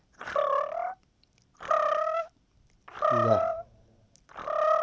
ля